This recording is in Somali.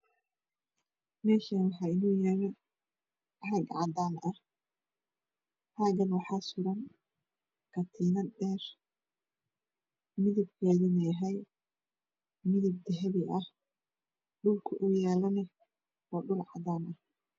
Meeshan waxaa inoo yaalo caag cadaan ah caagana waxaa suran katiinad dheer midab keeduna yahay midab dahabi ah dhulka uu yaalana waa dhul cadaan ah